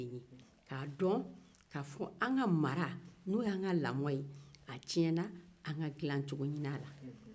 k'a fɔ an ka mara tiɲɛna an ka dilacogo ɲini a la